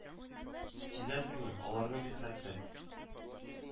Сизәсеңме, аларны бит хәтта